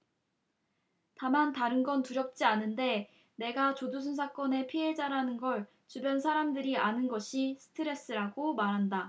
다만 다른 건 두렵지 않은데 내가 조두순 사건의 피해자라는 걸 주변 사람들이 아는 것이 스트레스라고 말한다